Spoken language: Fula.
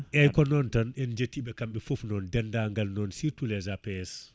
eyyi ko noon tan en jettiɓe kamɓe foof noon dendangal noon surtout les APS